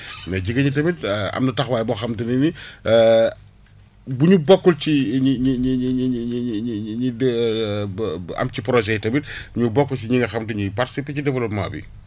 mais jigéen ñi tamit am na taxawaay boo xam te ne ni bu ñu bokkul ci ñiy ñiy ñiy ñiy ñiy ñiy de ba ba am ci projet itamit ñu bokk ci ñi nga xam dañuy participer ci développement bi